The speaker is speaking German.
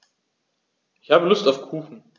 Ich habe Lust auf Kuchen.